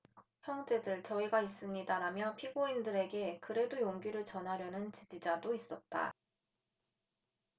형제들 저희가 있습니다라며 피고인들에게 그래도 용기를 전하려는 지지자도 있었다